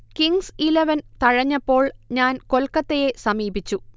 Kings Eleven തഴഞ്ഞപ്പോൾ ഞാൻ കൊൽക്കത്തയെ സമീപിച്ചു